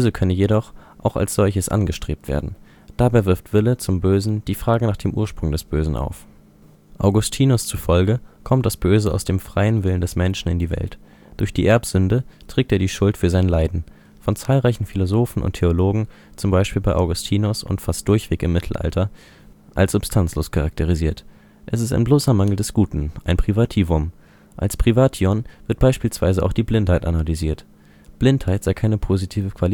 könne jedoch auch als solches angestrebt werden. Dabei wirft Wille zum Bösen die Frage nach dem Ursprung des Bösen auf. Augustinus zufolge kommt das Böse aus dem freien Willen des Menschen in die Welt. Durch die Erbsünde trägt er die Schuld für sein Leiden. Von zahlreichen Philosophen und Theologen (z. B. bei Augustinus und fast durchweg im Mittelalter) wird das Böse als substanzlos charakterisiert. Es ist ein bloßer Mangel des Guten (ein privativum). Als Privation wird beispielsweise auch die Blindheit analysiert: Blindheit sei keine positive